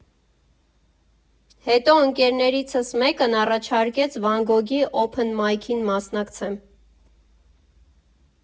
Հետո ընկերներիցս մեկն առաջարկեց «Վան Գոգի» օփեն մայքին մասնակցեմ։